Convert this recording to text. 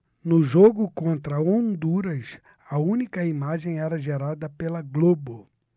no jogo contra honduras a única imagem era gerada pela globo